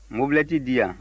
mobilɛti di yan